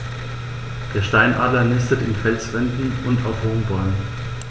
Der Steinadler nistet in Felswänden und auf hohen Bäumen.